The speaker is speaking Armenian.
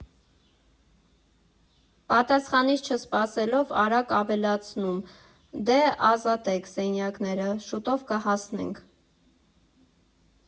Պատասխանիս չսպասելով արագ ավելացնում՝ դե, ազատե՛ք սենյակները, շուտով կհասնենք։